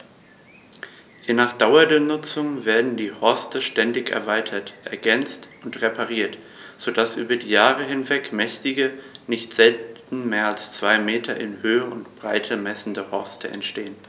Je nach Dauer der Nutzung werden die Horste ständig erweitert, ergänzt und repariert, so dass über Jahre hinweg mächtige, nicht selten mehr als zwei Meter in Höhe und Breite messende Horste entstehen.